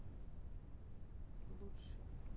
лучший